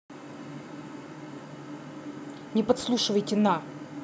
не подслушивайте на